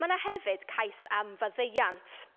Ma' 'na hefyd cais am faddeuant.